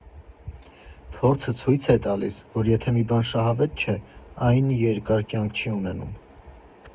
Փորձը ցույց է տալիս, որ եթե մի բան շահավետ չէ, այն երկար կյանք չի ունենում։